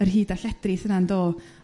yr hyd a lledrith yna 'ndo?